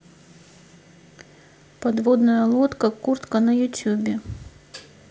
подводная лодка куртка на ютубе